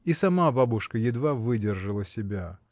И сама бабушка едва выдержала себя.